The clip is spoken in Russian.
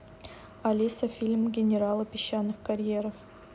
алиса фильм генералы песчаных карьеров